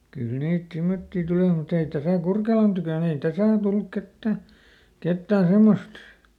kyllä niitä semmoisia tuli mutta ei tässä Kurkelan tykönä ei tässä ole tullut ketään ketään semmoista